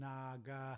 Naga.